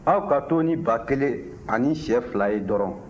aw ka to ni ba kɛlen ani shɛ fila ye dɔrɔn